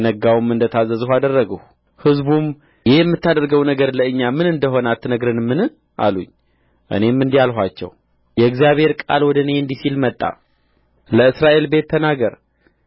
በነጋውም እንደ ታዘዝሁ አደረግሁ ሕዝቡም ይህ የምታደርገው ነገር ለእኛ ምን እንደ ሆነ አትነግረንምን አሉኝ እኔም እንዲህ አልኋቸው የእግዚአብሔር ቃል ወደ እኔ እንዲህ ሲል መጣ ለእስራኤል ቤት ተናገር